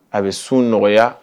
A bɛ sun nɔgɔya